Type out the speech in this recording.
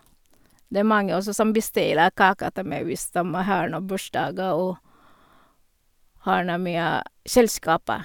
Det er mange også som bestiller kaker ta meg hvis dem har noe bursdager og har noe mye selskaper.